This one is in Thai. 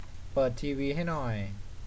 เปิดทีวีให้หน่อย